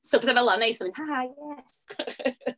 So oedd pethau fela yn neis, o'n i'n mynd; ha ha yes! .